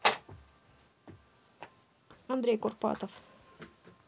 андрей курпатов